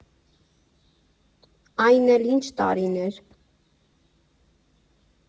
Այն էլ ինչ տարիներ։